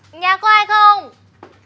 nhà có ai không